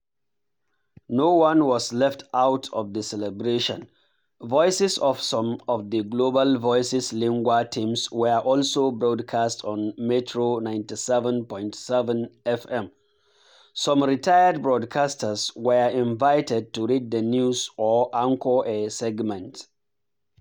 No one was left out of the celebration. Voices of some of the Global Voices Lingua teams were also broadcast on Metro 97.7FM. Some retired broadcasters were invited to read the news or anchor a segment.